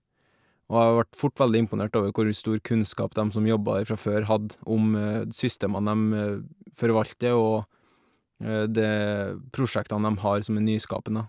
Og jeg vart fort veldig imponert over hvor stor kunnskap dem som jobba der fra før hadde om d systemene dem forvalter og det prosjektene dem har som er nyskapende.